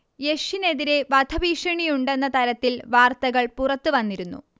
യഷിനെതിരേ വധഭീഷണിയുണ്ടെന്ന തരത്തിൽ വാർത്തകൾ പുറത്ത് വന്നിരുന്നു